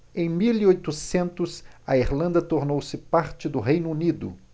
em mil e oitocentos a irlanda tornou-se parte do reino unido